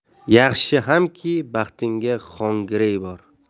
yaxshi hamki baxtingga xongirey bor